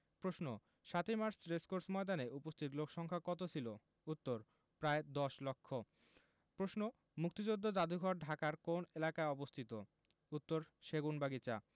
প্রশ্ন ৭ই March racecourse ময়দানে উপস্থিত লোকসংক্ষা কত ছিলো উত্তর প্রায় দশ লক্ষ প্রশ্ন মুক্তিযুদ্ধ যাদুঘর ঢাকার কোন এলাকায় অবস্থিত উত্তরঃ সেগুনবাগিচা